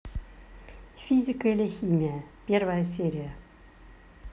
физика или химия первая серия